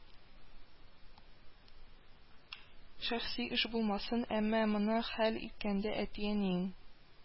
Шәхси эш булмасын, әмма моны хәл иткәндә әти-әнинең